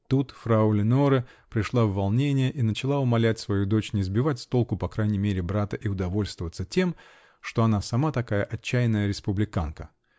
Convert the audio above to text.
Тут фрау Леноре пришла в волнение и начала умолять свою дочь не сбивать с толку, по крайней мере, брата и удовольствоваться тем, что она сама такая отчаянная республиканка!